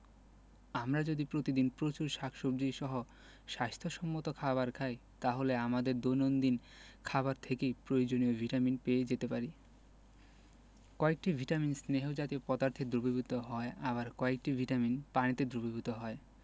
আমরা যদি প্রতিদিন প্রচুর শাকসবজী সহ স্বাস্থ্য সম্মত খাবার খাই তাহলে আমাদের দৈনন্দিন খাবার থেকেই প্রয়োজনীয় ভিটামিন পেয়ে যেতে পারি কয়েকটি ভিটামিন স্নেহ জাতীয় পদার্থে দ্রবীভূত হয় আবার কয়েকটি ভিটামিন পানিতে দ্রবীভূত হয়